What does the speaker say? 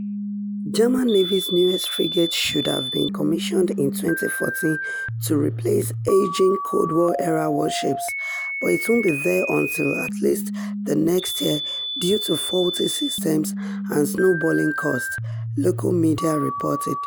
German Navy's newest frigate should have been commissioned in 2014 to replace ageing Cold War-era warships, but it won't be there until at least the next year due to faulty systems and snowballing cost, local media reported.